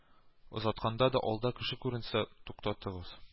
Озатканда да, алда кеше күренсә, туктатыгыз